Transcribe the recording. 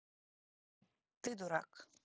нет ты дурак